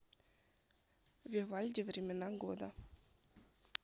вивальди времена года